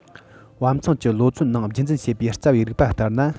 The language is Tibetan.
བབ མཚུངས ཀྱི ལོ ཚོད ནང རྒྱུད འཛིན བྱེད པའི རྩ བའི རིགས པ ལྟར ན